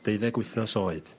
deuddeg wythnos oed.